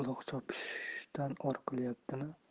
uloq chopishimdan or qilyaptimi